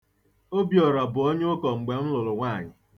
Obiọra bụ onye ụkọ mgbe m lụrụ nwaanyị.